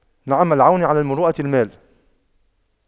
نعم العون على المروءة المال